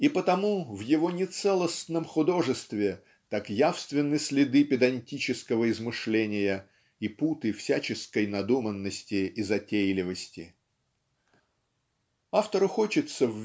И потому в его нецелостном художестве так явственны следы педантического измышления и путы всяческой надуманности и затейливости. *** Автору хочется